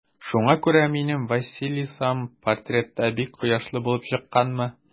Шуңа күрә минем Василисам портретта бик кояшлы булып чыкканмы?